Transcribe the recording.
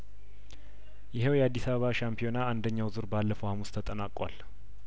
ይኸው የአዲስ አበባ ሻምፒዮና አንደኛው ዙር ባለፈው ሀሙስ ተጠናቋል